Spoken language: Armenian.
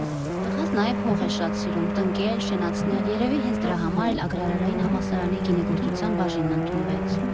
Տղաս նաև հող է շատ սիրում, տնկել, շենացնել, երևի հենց դրա համար էլ Ագրարային համալսարանի գինեգործության բաժինն ընդունվեց։